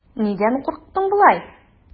Нидән курыктың болай?